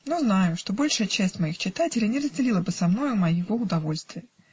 но знаю, что большая часть моих читателей не разделила бы со мною моего удовольствия.